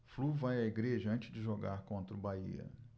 flu vai à igreja antes de jogar contra o bahia